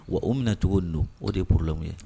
Wa o bɛna na cogo ninnu don o de b pllan ye